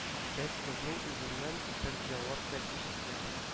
Без кызның үзеннән бер җавап та ишетмәдек